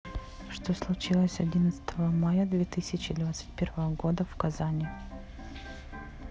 что случилось одиннадцатого мая две тысячи двадцать первого года в казани